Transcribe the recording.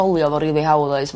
...ffowlio fo rili hawdd oes?